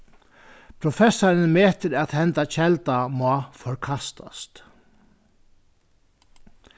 professarin metir at henda kelda má forkastast